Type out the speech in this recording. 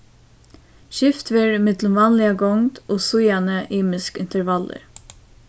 skift verður ímillum vanliga gongd og síðani ymisk intervallir